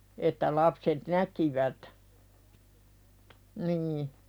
että lapset näkivät niin